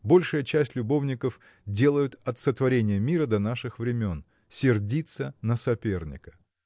большая часть любовников делают от сотворения мира до наших времен сердиться на соперника!